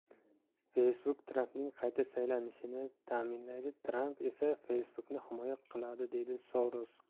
facebook trampning qayta saylanishini ta'minlaydi tramp esa facebook'ni himoya qiladi deydi soros